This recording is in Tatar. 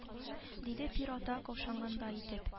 Диде пир ата каушагандай итеп